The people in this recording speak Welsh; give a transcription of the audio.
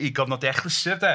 I gofnodi achlysur de.